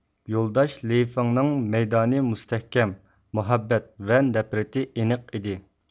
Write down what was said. يولداش لېي فېڭنىڭ مەيدانى مۇستەھكەم مۇھەببەت ۋە نەپرىتى ئېنىق ئىدى